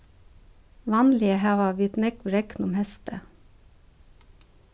vanliga hava vit nógv regn um heystið